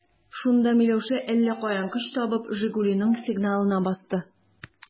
Шунда Миләүшә, әллә каян көч табып, «Жигули»ның сигналына басты.